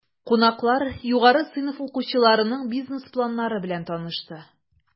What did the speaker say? Кунаклар югары сыйныф укучыларының бизнес планнары белән танышты.